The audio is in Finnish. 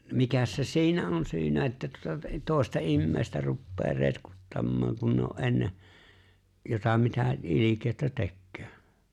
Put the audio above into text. mikäs se siinä on syynä että tuota - toista ihmistä rupeaa retkuttamaan kun ne on ennen jota mitä ilkeyttä tekee